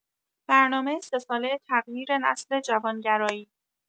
برنامه سه‌ساله تغییر نسل جوانگرایی